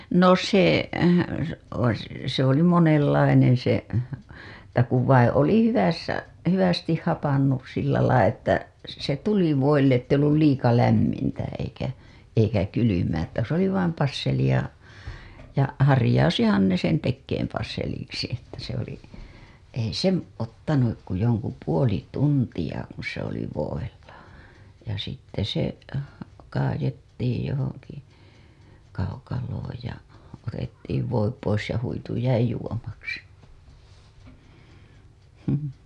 no se - se oli monenlainen se että kun vai oli hyvässä hyvästi hapantunut sillä lailla että se tuli voille että ei ollut liian lämmintä eikä eikä kylmää että se oli vain passelia ja harjaantuihan ne sen tekemään passeliksi että se oli ei se ottanut kuin jonkun puoli tuntia kun se oli voilla ja sitten se kaadettiin johonkin kaukaloon ja otettiin voi pois ja huitu jäi juomaksi mm